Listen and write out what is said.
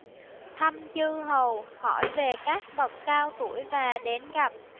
thăm chư hầu hỏi về các bậc cao tuổi và đến gặp